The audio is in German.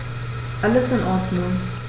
Alles in Ordnung.